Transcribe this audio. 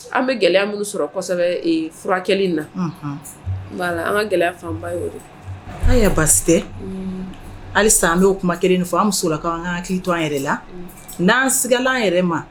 An bɛ gɛlɛya minnu sɔrɔ kosɛbɛ furakɛ na an ka gɛlɛya fanba an ye basi tɛ hali sisan an bɛ kuma kelen fɔ an musola an ka ki an yɛrɛ la n'anigalan yɛrɛ ma